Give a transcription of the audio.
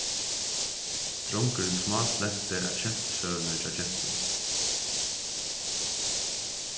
drongurin smáflenti at skemtisøguni hjá gentuni